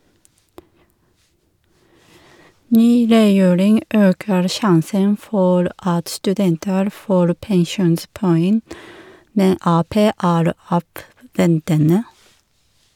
Ny regjering øker sjansen for at studenter får pensjonspoeng, men Ap er avventende.